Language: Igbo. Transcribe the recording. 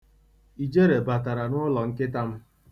Ijere batara n'ụlọ nkịta m.